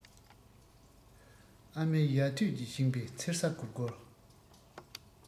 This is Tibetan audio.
ཨ མའི ཡ ཐོད ཀྱིས བཞེངས པའི མཚེར ས སྒོར སྒོར